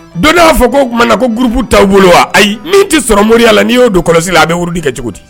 Don'a fɔ ko o tumaumana na ko gurup taabolo bolo wa ayi n' tɛ sɔrɔ moriɔriya la n' y'o don kɔlɔsi la a bɛurudi kɛ cogo di